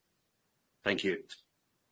Thank you.